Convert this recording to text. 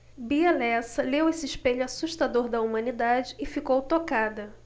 bia lessa leu esse espelho assustador da humanidade e ficou tocada